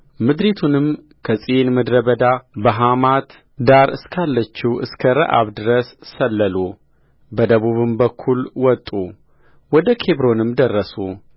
ምድሪቱንም ከጺን ምድረ በዳ በሐማት ዳር እስካለችው እስከ ረአብ ድረስ ሰለሉበደቡብም በኩል ውጡ ወደ ኬብሮንም ደረሱ